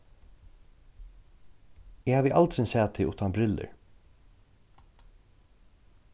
eg havi aldrin sæð teg uttan brillur